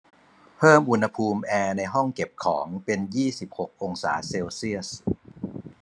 เพิ่มอุณหภูมิแอร์ในห้องเก็บของเป็นยี่สิบหกองศาเซลเซียส